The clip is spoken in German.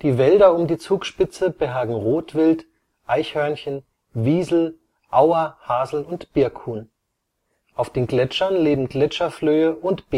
Wälder um die Zugspitze beherbergen Rotwild, Eichhörnchen, Wiesel, Auer -, Hasel - und Birkhuhn. Auf den Gletschern leben Gletscherflöhe und